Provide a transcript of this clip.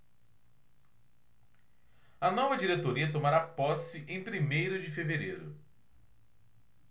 a nova diretoria tomará posse em primeiro de fevereiro